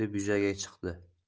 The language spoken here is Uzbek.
etib yuzaga chiqdi